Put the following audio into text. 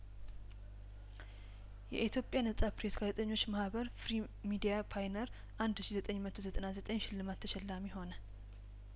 የኢትዮጵያ ነጻ ፐሬ ስጋዜጠኞች ማህበር ፍሪ ሚዲያፓይነር አንድ ሺ ዘጠኝ መቶ ዘጠና ዘጠኝ ሽልማት ተሸላሚ ሆነ